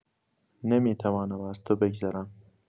نمی‌توانم از تو بگذرم!